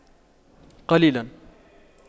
قليلا